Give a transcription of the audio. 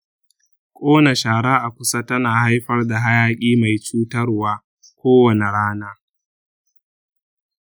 ƙona shara a kusa tana haifar da hayaƙi mai cutarwa kowane rana.